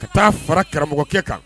Ka taa fara karamɔgɔkɛ kan